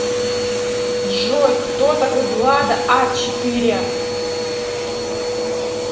джой кто такой влада а четыре